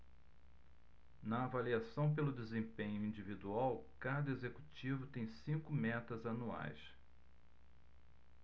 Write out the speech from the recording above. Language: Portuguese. na avaliação pelo desempenho individual cada executivo tem cinco metas anuais